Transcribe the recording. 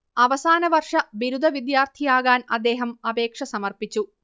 അവസാനവർഷ ബിരുദ വിദ്യാർത്ഥിയാകാൻ അദ്ദേഹം അപേക്ഷ സമർപ്പിച്ചു